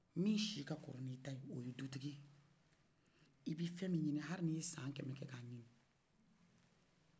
min si ka ka kɔrɔ ni ta y'o dutigi ye i bɛ fɛmi yini hali n'ye san kɛmɛ kɛ k'a ɲini